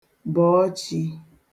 bọ̀ọ chī